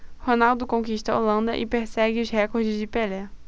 ronaldo conquista a holanda e persegue os recordes de pelé